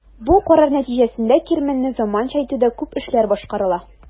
Бу карар нәтиҗәсендә кирмәнне заманча итүдә күп эшләр башкарыла.